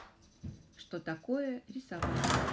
что такое рисование